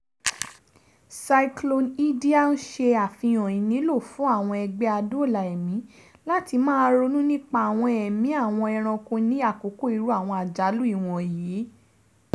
Cyclone Idai ń ṣe àfihàn ìnílò fún àwọn ẹgbẹ́ adóòlà-ẹ̀mí láti máa ronú nípa ẹ̀mí àwọn ẹranko ní àkókò irú àwọn àjálù ìwọ̀n yìí.